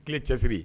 Tilen cɛsiri